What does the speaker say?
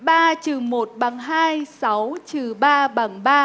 ba trừ một bằng hai sáu trừ ba bằng ba